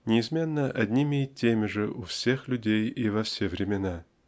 неизменно одними и теми же у всех людей и во все времена.